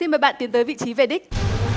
xin mời bạn tiến tới vị trí về đích